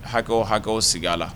Hakɛ hakɛ sigi a la